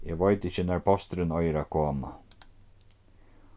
eg veit ikki nær posturin eigur at koma